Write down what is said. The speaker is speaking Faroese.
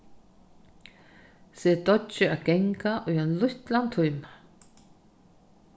set deiggið at ganga í ein lítlan tíma